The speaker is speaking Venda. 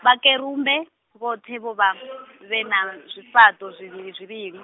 Vhakerumbe, vhoṱhe vho vha vhena zwifhaṱo zwivhilizwivhili.